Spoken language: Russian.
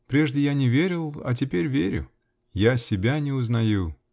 Прежде я не верил, а теперь верю. Я себя не узнаю.